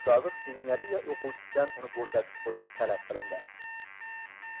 sobiq seminariya o'quvchisidan uni bo'shatib qo'yish talab qilindi